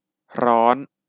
ร้อน